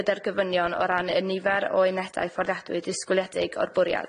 gyda'r gofynion o ran y nifer o unedau fforddiadwy disgwyliedig o'r bwriad.